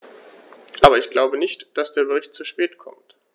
Aber ich glaube nicht, dass der Bericht zu spät kommt.